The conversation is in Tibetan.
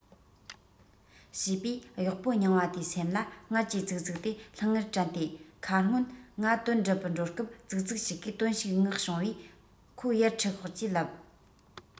བྱས པས གཡོག པོ རྙིང པ དེའི སེམས ལ སྔར གྱི ཙི ཙི དེ ལྷང ངེར དྲན ཏེ ཁ སྔོན ང དོན སྒྲུབ པར འགྲོ སྐབས ཙི ཙི ཞིག གིས དོན ཞིག མངགས བྱུང བས ཁོ ཡར ཁྲིད ཤོག ཅེས ལབ